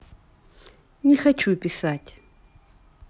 не хочу писать